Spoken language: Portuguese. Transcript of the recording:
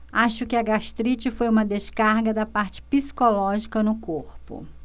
acho que a gastrite foi uma descarga da parte psicológica no corpo